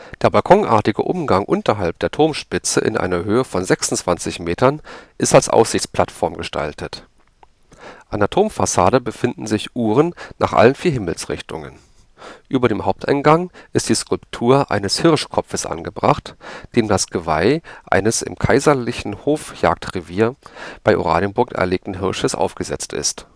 Der balkonartige Umgang unterhalb der Turmspitze in einer Höhe von 26,5 Metern ist als Aussichtsplattform gestaltet. An der Turmfassade befinden sich Uhren nach allen vier Himmelsrichtungen. Über dem Haupteingang ist die Skulptur eines Hirschkopfes angebracht, dem das Geweih eines im kaiserlichen Hofjagdrevier bei Oranienburg erlegten Hirsches aufgesetzt ist